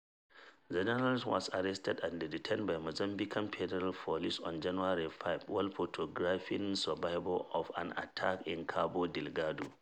The journalist was arrested and detained by Mozambican federal police on January 5, while photographing survivors of an attack in Cabo Delgado.